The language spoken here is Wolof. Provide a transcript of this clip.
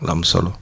lu am solo